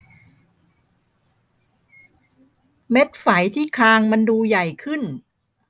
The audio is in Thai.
เม็ดไฝที่คางมันดูใหญ่ขึ้น